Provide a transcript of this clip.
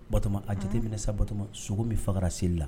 Batɔma a jate minɛ sa batɔma sogo min fagara seli la.